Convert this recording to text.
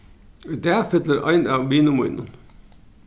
í dag fyllir ein av vinum mínum